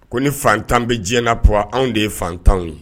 Ko ni fantan bɛ diɲɛna p anw de ye fantanw ye